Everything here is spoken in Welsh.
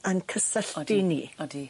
Yn cysylltu... Odi. ...ni. Odi.